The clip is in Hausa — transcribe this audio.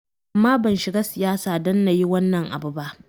Amma ban shiga siyasa don na yi wannan abu ba.